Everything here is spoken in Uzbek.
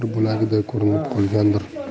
bir bo'lagida ko'rinib qolgandir